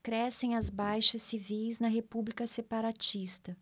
crescem as baixas civis na república separatista